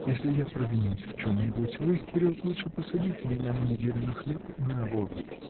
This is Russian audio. Если я провинюсь в чем-нибудь, вы вперед лучше посадите меня на неделю на хлеб и на воду.